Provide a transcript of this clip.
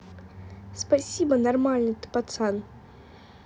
спасибо нормальный ты пацан